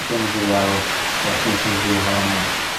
if you wanna do well ch'mo' chi sy'n gyfrifol am e.